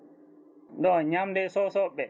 ɗo ñamde Sow soɓeɓe